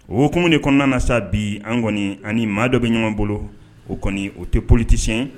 Ok de kɔnɔna na sa bi an kɔni ani maa dɔ bɛ ɲɔgɔn bolo o kɔni o tɛ politisi